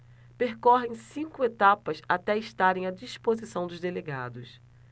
percorrem cinco etapas até estarem à disposição dos delegados